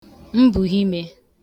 m̀bùgheime